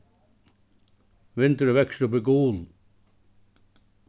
vindurin veksur upp í gul